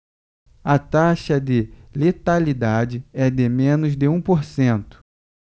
a taxa de letalidade é de menos de um por cento